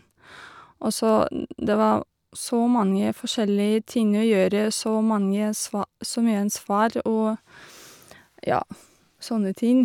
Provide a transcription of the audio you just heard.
Og så det var så mange forskjellige ting å gjøre, så mange sva så mye ansvar, og, ja, sånne ting.